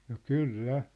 no kyllä